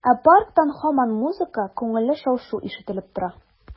Ә парктан һаман музыка, күңелле шау-шу ишетелеп тора.